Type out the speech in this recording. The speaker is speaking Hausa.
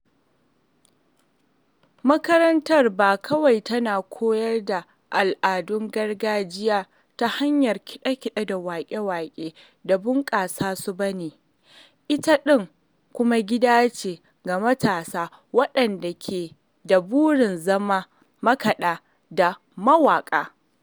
Makarantar ba kawai tana koyar da al'adun gargajiya ta hanyar kaɗe-kaɗe da waƙe-waƙe da bunƙasa su bane, ita ɗin kuma gida ce ga matasa waɗanda ke da burin zama makaɗa da mawaƙa .